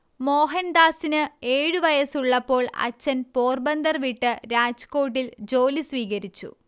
മോഹൻദാസിന് ഏഴു വയസ്സുള്ളപ്പോൾ അച്ഛൻ പോർബന്ദർ വിട്ട് രാജ്കോട്ടിൽ ജോലി സ്വീകരിച്ചു